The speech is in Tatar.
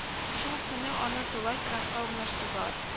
Шул ук көнне аны тулай торакка урнаштырдылар